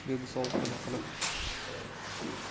dedi sovuqqina qilib